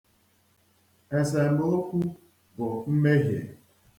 Esemokwu bụ mmehie.